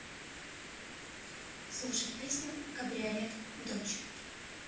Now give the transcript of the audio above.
слушать песню кабриолет дочь